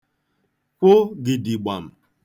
kwụ gìdìgbàm̀